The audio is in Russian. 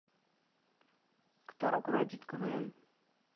кто руководит квн